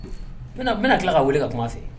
Bɛna tila ka wele ka kuma se